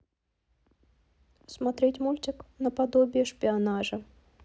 смотреть мультик на подобии шпионажа